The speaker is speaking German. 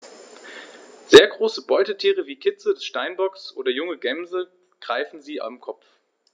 Sehr große Beutetiere wie Kitze des Steinbocks oder junge Gämsen greifen sie am Kopf.